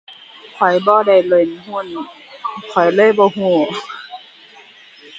ข้อยบ่ได้เล่นหุ้น ข้อยเลยบ่รู้